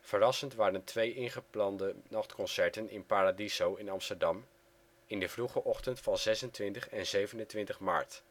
Verrassend waren twee ingeplande nachtconcerten in Paradiso in Amsterdam in de vroege ochtend van 26 en 27 maart